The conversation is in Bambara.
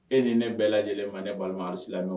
E ni ne bɛɛ lajɛlen mande ne balimasilame